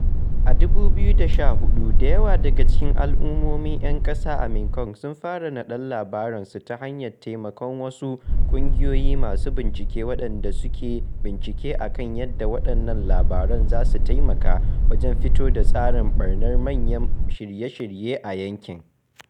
A 2014, da yawa daga cikin al'ummomin 'yan ƙasa a Mekong sun fara naɗar labaransu ta hanyar taimakon wasu ƙungiyoyi masu bincike waɗanda suke bincike a kan yadda waɗannan labaran za su taimaka wajen fito da tasirin ɓarnar manyan shirye-shirye a yankin.